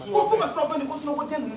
Ko fo ka sa ni sun tɛ